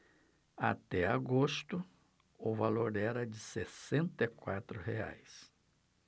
até agosto o valor era de sessenta e quatro reais